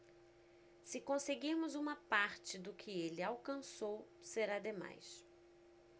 se conseguirmos uma parte do que ele alcançou será demais